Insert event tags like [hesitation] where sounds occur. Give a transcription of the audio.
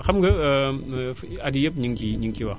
xam nga [hesitation] at yii yépp ñu ngi ciy ñu ngi ciy wax